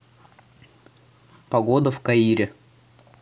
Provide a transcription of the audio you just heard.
погода в каире